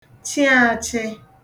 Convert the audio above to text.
chị āchị̄